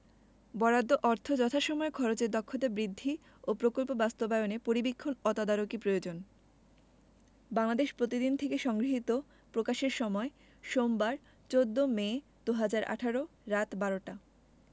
বরাদ্দ করা অর্থ যথাসময়ে খরচের দক্ষতা বৃদ্ধি এবং প্রকল্প বাস্তবায়নে পরিবীক্ষণ ও তদারকি প্রয়োজন বাংলাদেশ প্রতিদিন থেলে সংগৃহীত প্রকাশের সময় সোমবার ১৪ মে ২০১৮ রাত ১২টা